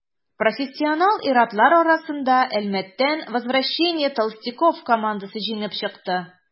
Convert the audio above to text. Профессионал ир-атлар арасында Әлмәттән «Возвращение толстяков» командасы җиңеп чыкты.